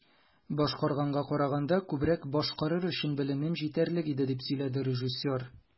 "башкарганга караганда күбрәк башкарыр өчен белемем җитәрлек иде", - дип сөйләде режиссер.